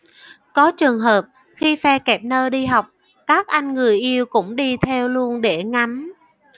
có trường hợp khi phe kẹp nơ đi học các anh người yêu cũng đi theo luôn để ngắm